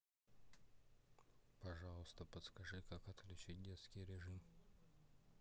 пожалуйста подскажите как отключить детский режим